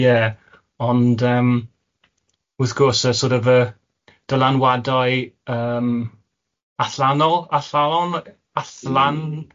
Ie, ond yym, wrth gwrs y sor' of y dylanwadau yym allanol, allaon, allan?